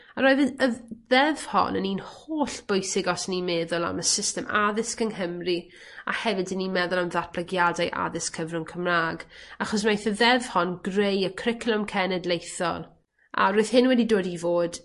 A roedd y y ddeddf hon yn un hollbwysig os 'yn ni'n meddwl am y system addysg yng Nghymru a hefyd 'yn ni'n meddwl am ddatblygiadau addysg cyfrwng Cymra'g achos wnaeth y ddeddf hon greu y cwricwlwm cenedlaethol a roedd hyn wedi dod i fod